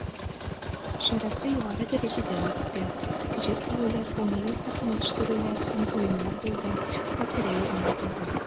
Чарасы югары дәрәҗәдә үтте, җыр-биюләр, күңелле сәхнәләштерүләр һәм уеннар булды, лотерея уйнатылды.